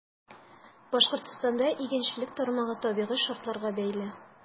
Башкортстанда игенчелек тармагы табигый шартларга бәйле.